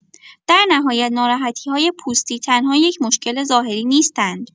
در نهایت، ناراحتی‌های پوستی تنها یک مشکل ظاهری نیستند.